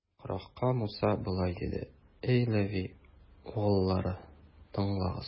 Корахка Муса болай диде: Әй Леви угыллары, тыңлагыз!